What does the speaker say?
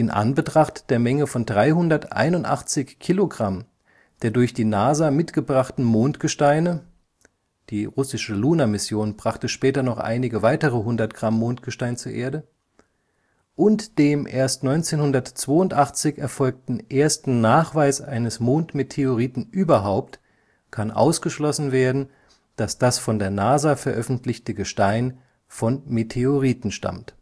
Anbetracht der Menge von 381 Kilogramm der durch die NASA mitgebrachten Mondgesteine (die russische Luna-Mission brachte später noch einige weitere hundert Gramm Mondgestein zur Erde) und dem erst 1982 erfolgten ersten Nachweis eines Mondmeteoriten überhaupt kann ausgeschlossen werden, dass das von der NASA veröffentlichte Gestein von Meteoriten stammt